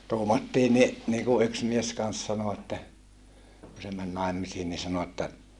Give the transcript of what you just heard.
tuumattiin niin niin kuin yksi mies kanssa sanoi että kun se meni naimisiin niin sanoi että